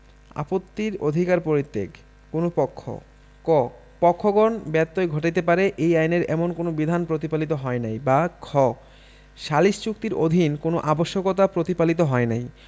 আপত্তির অধিকার পরিত্যাগঃ কোন পক্ষ ক পক্ষগণ ব্যত্যয় ঘটাইতে পারে এই আইনের এমন কোন বিধান প্রতিপালিত হয় নাই বা খ সালিস চুক্তির অধীন কোন আবশ্যকতা প্রতিপালিত হয় নাই